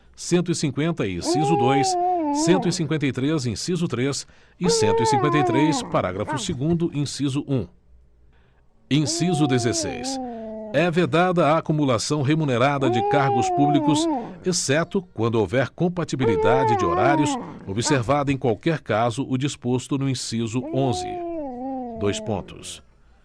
cento e cinqüenta inciso dois cento e cinquenta e três inciso três e cento e cinquenta e três parágrafo segundo inciso um inciso dezesseis é vedada a acumulação remunerada de cargos públicos exceto quando houver compatibilidade de horários observado em qualquer caso o disposto no inciso onze dois pontos